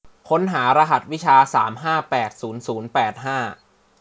ค้นหารหัสวิชาสามห้าแปดศูนย์ศูนย์แปดห้า